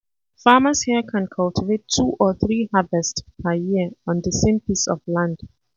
Farmers here can cultivate two or three harvests per year on the same piece of land.